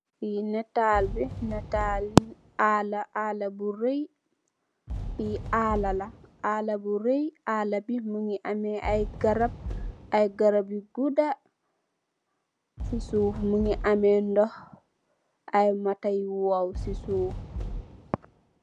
Le neetal bi netal alaa alaa bu reey fi alaala alaa bu reey alaala bi mogi ameh ay garab ay garab yu guda si soof mogi ameh ndox ay mata yu woow si soof.